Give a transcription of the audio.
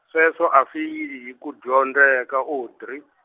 sweswo a swi yi hi ku dyondzeka Audrey.